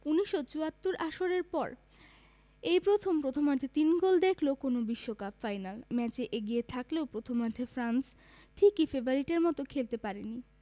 ১৯৭৪ আসরের পর এই প্রথম প্রথমার্ধে তিন গোল দেখল কোনো বিশ্বকাপ ফাইনাল ম্যাচে এগিয়ে থাকলেও প্রথমার্ধে ফ্রান্স ঠিক ফেভারিটের মতো খেলতে পারেনি